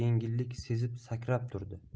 yengillik sezib sakrab turdi